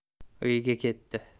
uyiga ketdi